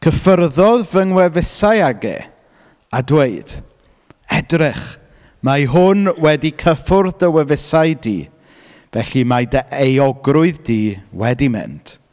Cyffyrddodd fy ngwefusau ag e a dweud edrych, mae hwn wedi cyffwrdd dy wefusau di, felly mae dy euogrwydd di wedi mynd.